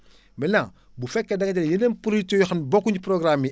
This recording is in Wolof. maintenant bu fekkee da nga jël yeneen producteurs yoo xam ne bokkuñu programmes yi